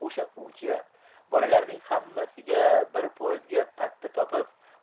o'sha utya bolalarning hammasiga bir poezdga patta topib